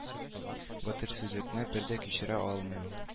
Гаделсезлекне бер дә кичерә алмый ул